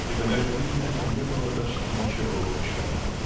ибо между ними не было почти ничего общего.